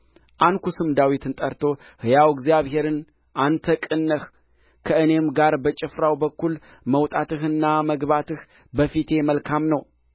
አንኩስም ዳዊትን ጠርቶ ሕያው እግዚአብሔርን አንተ ቅን ነህ ከእኔም ጋር በጭፍራው በኩል መውጣትህና መግባትህ በፊቴ መልካም ነው